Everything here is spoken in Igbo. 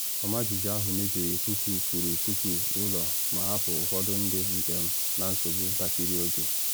Ọmajiji ahụ mebiri puku kwụrụ puku ụlọ ma hapụ ụfọdụ ndị njem na nsogbu ntakịrị oge.